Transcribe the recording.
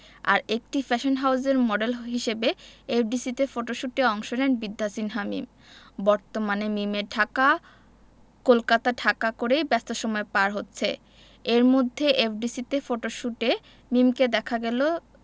আর একটি ফ্যাশন হাউজের মডেল হিসেবে এফডিসিতে ফটোশ্যুটে অংশ নেন বিদ্যা সিনহা মীম বর্তমানে মিমের ঢাকা কলকাতা ঢাকা করেই ব্যস্ত সময় পার হচ্ছে এরমধ্যে এফডিসিতে ফটোশুটে মিমকে দেখা গেল